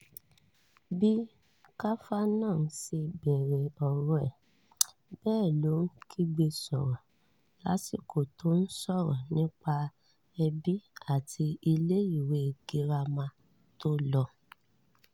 Bí Kavanaugh se bẹ̀rẹ̀ ọ̀rọ̀ ẹ, bẹ́ẹ̀ ló ń kígbe sọ̀rọ̀ lásìkò tó ń sọ̀rọ̀ nípa ẹbí àti ilé-ìwé girama to lọ.